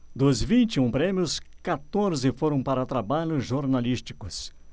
dos vinte e um prêmios quatorze foram para trabalhos jornalísticos